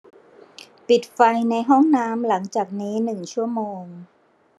ปิดไฟในห้องน้ำหลังจากนี้หนึ่งชั่วโมง